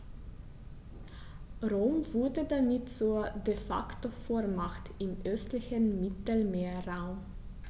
Rom wurde damit zur ‚De-Facto-Vormacht‘ im östlichen Mittelmeerraum.